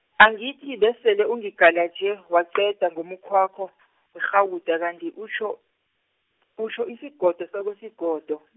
angithi besele ungigalaje, waqeda ngomukhwakho, werhawuda kanti utjho, utjho isigodo sakosigodo .